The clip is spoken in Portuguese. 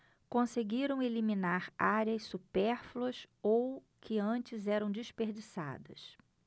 conseguiram eliminar áreas supérfluas ou que antes eram desperdiçadas